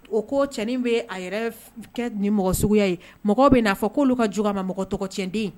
O ko cɛnin bɛ a yɛrɛ ni mɔgɔ suguya ye mɔgɔ bɛ'a fɔ k'olu ka j ma mɔgɔcden